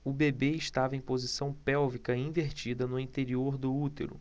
o bebê estava em posição pélvica invertida no interior do útero